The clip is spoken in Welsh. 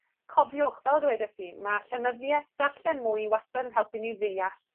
cofiwch fel dwedes i, ma' llenyddieth, ddarllen mwy wastad yn helpu ni ddeall